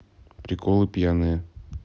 приколы пьяные